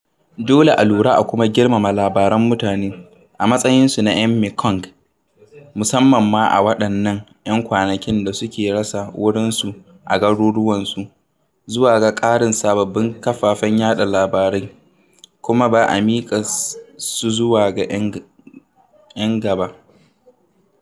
Dole a lura a kuma girmama labaran mutane, a matsayinsu na 'yan Mekong, musamman ma a waɗannan 'yan kwanakin da suke rasa wurinsu a garuruwansu zuwa ga ƙarin sababbin kafafen yaɗa labarai, kuma ba a miƙa su zuwa ga 'yan gaba.